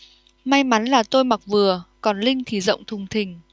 may mắn là tôi mặc vừa còn linh thì rộng thùng thình